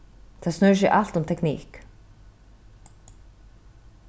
tað snýr seg alt um teknikk